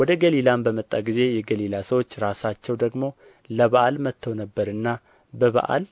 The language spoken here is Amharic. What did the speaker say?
ወደ ገሊላም በመጣ ጊዜ የገሊላ ሰዎች ራሳቸው ደግሞ ለበዓል መጥተው ነበርና በበዓል